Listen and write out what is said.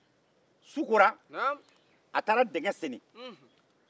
su kolen a taara dinge sen